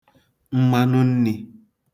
mmanụ nnī